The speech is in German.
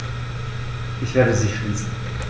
Ich werde sie schließen.